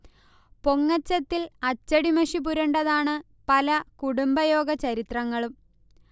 പൊങ്ങച്ചത്തിൽ അച്ചടിമഷി പുരണ്ടതാണ് പല കുടുംബയോഗ ചരിത്രങ്ങളും